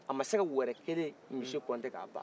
a ma se ka wɛrɛ kelen midi compte